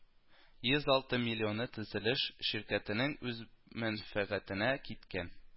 Йөз алты миллионы төзелеш ширкатенең үз мәнфәгатенә киткән